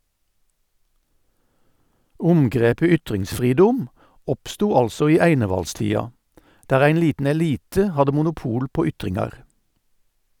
Omgrepet ytringsfridom oppstod altså i einevaldstida, der ein liten elite hadde monopol på ytringar.